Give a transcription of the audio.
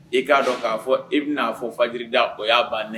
E k'a dɔn k'a fɔ e bɛ n'a fɔ faji da o y'a banɛ